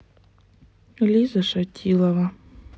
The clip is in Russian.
лиза шатилова